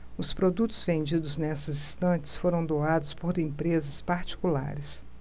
os produtos vendidos nestas estantes foram doados por empresas particulares